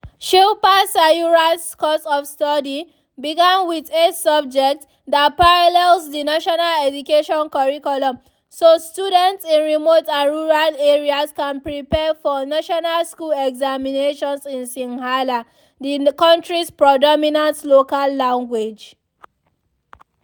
Shilpa Sayura’s course of study began with eight subjects that parallels the national education curriculum so students in remote and rural areas can prepare for national school examinations in Sinhala, the country's predominant local language.